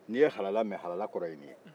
n'i ye halala mɛn halala kɔrɔ ye nin ye